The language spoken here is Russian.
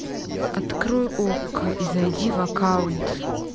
открой окко и зайди в аккаунт